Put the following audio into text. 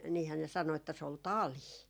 niinhän ne sanoi että se oli talia